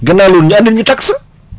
gannaaw loolu ñu andil ñu taxe